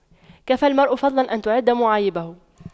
كفى المرء فضلا أن تُعَدَّ معايبه